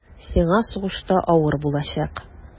Сиңа сугышта авыр булачак.